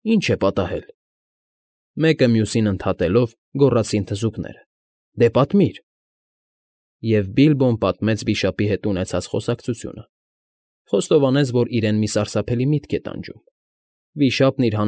Ի՞նչ է պատահել,֊ մեկը մյուսին ընդհատելով՝ գոռացին թզուկները։֊ Դե պատմիր… Եվ Բիլբոն պատմեց վիշապի հետ ունեցած խոսակցությունը, խոստովանեց, որ իրեն մի սարսափելի միտք է տանջում՝ վիշապն իր։